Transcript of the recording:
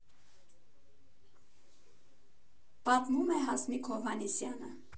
Պատմում է Հասմիկ Հովհաննիսյանը։